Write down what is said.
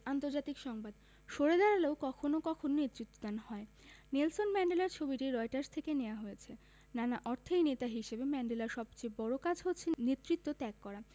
আন্তর্জাতিক সংবাদ সরে দাঁড়ালেও কখনো কখনো নেতৃত্বদান হয় নেলসন ম্যান্ডেলার ছবিটি রয়টার্স থেকে নেয়া হয়েছে নানা অর্থেই নেতা হিসেবে ম্যান্ডেলার সবচেয়ে বড় কাজ হচ্ছে নেতৃত্ব ত্যাগ করা